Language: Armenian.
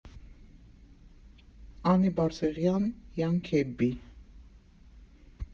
Անի Բարսեղյան Յան Քեբբի։